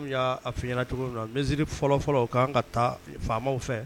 'afin ɲɛnaɲɛna cogo min na nsiri fɔlɔfɔlɔ ka kan ka taa faamaw fɛ